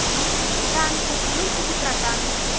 танки мультики про танки